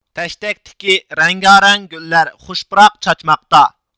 تەشتەكتىكى رەڭگارەڭ گۈللەر خۇش پۇراق چاچماقتا